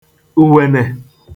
ùwènè